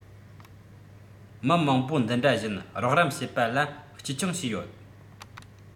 མི མང པོ འདི འདྲ བཞིན རོགས རམ བྱེད པ ལ གཅེས སྐྱོང བྱས ཡོད